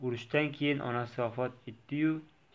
urushdan keyin onasi vafot etadi yu